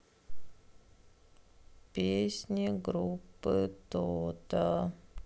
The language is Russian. песни группы тото